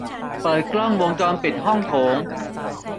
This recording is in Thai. เปิดกล้องวงจรปิดห้องโถง